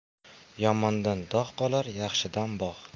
yomondan dog' qolar yaxshidan bog'